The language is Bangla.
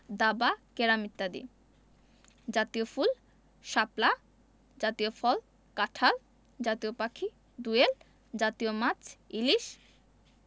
দাবা ক্যারম ইত্যাদি জাতীয় ফুলঃ শাপলা জাতীয় ফলঃ কাঁঠাল জাতীয় পাখিঃ দোয়েল জাতীয় মাছঃ ইলিশ